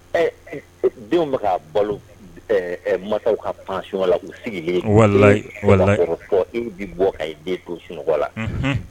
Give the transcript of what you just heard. Ɛ denw bɛ ka balo ɛɛ masaw ka pension la u sigi don, walahi e maa kɔrɔtɔ, e bi bɔ ka den to sunɔgɔ la, unhun.